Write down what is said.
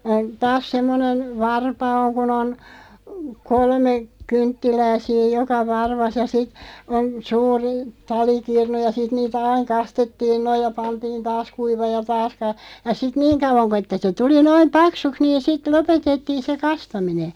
- taas semmoinen varpa on kun on kolme kynttilää siinä joka varvassa ja sitten on suuri talikirnu ja sitten niitä aina kastettiin noin ja pantiin taas kuivamaan ja taas - ja sitten niin kauan kun että se tuli noin paksuksi niin sitten lopetettiin se kastaminen